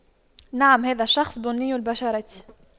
نعم هذا الشخص بني البشرة